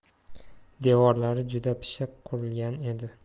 devorlari juda pishiq qurilgan edi